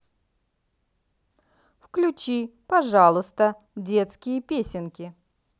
включи пожалуйста детские песенки